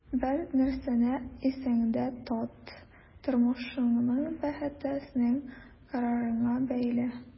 Бер нәрсәне исеңдә тот: тормышыңның бәхете синең карарыңа бәйле.